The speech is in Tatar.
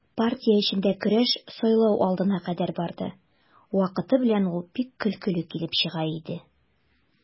Партия эчендә көрәш сайлау алдына кадәр барды, вакыты белән ул бик көлкеле килеп чыга иде.